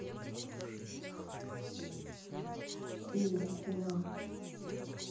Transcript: все иди на хуй